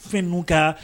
F ka